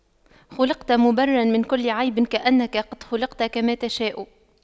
خلقت مُبَرَّأً من كل عيب كأنك قد خُلقْتَ كما تشاء